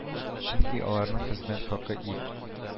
Чөнки аларның хезмәт хакы ит